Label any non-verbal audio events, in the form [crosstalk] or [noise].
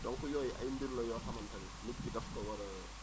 donc yooyu ay mbir la yoo xamante ni nit ki dafa ko war a [hesitation]